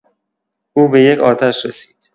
او به یک آتش رسید.